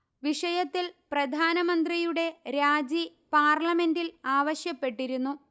വിഷയത്തിൽ പ്രധാനമന്ത്രിയുടെ രാജി പാർലമെന്റിൽ ആവശ്യപ്പെട്ടിരുന്നു